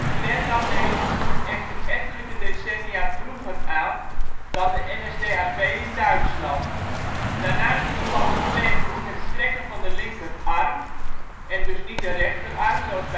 Klan nam deze groet echter ettelijke decennia vroeger aan dan de NSDAP in Duitsland. Daarnaast omvat de Klangroet het strekken van de linkerarm (en dus niet de rechterarm zoals